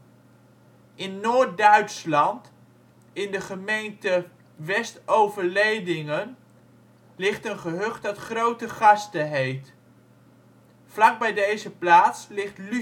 In noord-Duitsland, in de gemeente Westoverledingen, ligt een gehucht dat Grotegaste heet. Vlakbij deze plaats ligt Lütjegaste